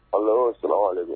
Aw'o sira de